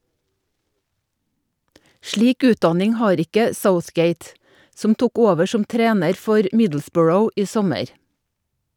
Slik utdanning har ikke Southgate, som tok over som trener for Middlesbrough i sommer.